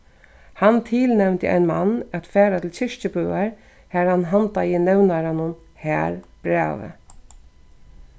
hann tilnevndi ein mann at fara til kirkjubøar har hann handaði nevnaranum har brævið